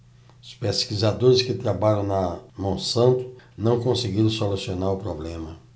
os pesquisadores que trabalham na monsanto não conseguiram solucionar o problema